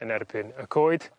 yn erbyn y coed